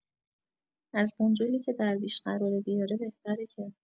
از بنجلی که درویش قراره بیاره بهتره که